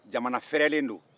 jamana fɛrɛlen do